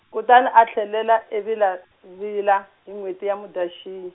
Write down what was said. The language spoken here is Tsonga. kutani a tlhelela eVila-Vila hi n'hweti ya Mudyaxihi.